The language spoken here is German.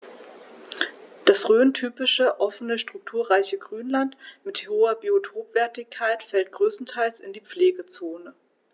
Das rhöntypische offene, strukturreiche Grünland mit hoher Biotopwertigkeit fällt größtenteils in die Pflegezone.